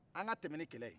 an ka tɛmɛ ni kɛlɛ ye